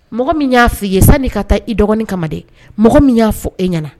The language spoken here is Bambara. Mɔgɔ min y'a f' i ye sani ka taa i dɔgɔnini kama dɛ mɔgɔ min y'a fɔ e ɲɛna